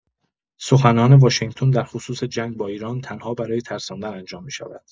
سخنان واشنگتن در خصوص جنگ با ایران، تنها برای ترساندن انجام می‌شود.